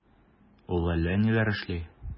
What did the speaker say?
Ул әллә ниләр эшли...